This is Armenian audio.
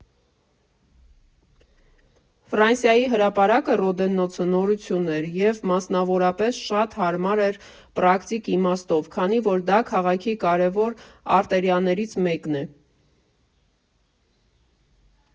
Ֆրանսիայի հրապարակը՝ Ռոդեննոցը, նորություն էր, և մասնավորապես շատ հարմար էր պրակտիկ իմաստով, քանի որ դա քաղաքի կարևոր արտերիաներից մեկն է.